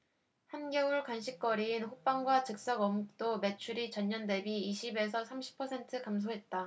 한겨울 간식거리인 호빵과 즉석어묵도 매출이 전년대비 이십 에서 삼십 퍼센트 감소했다